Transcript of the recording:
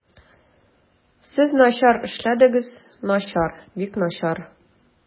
Сез начар эшләдегез, начар, бик начар.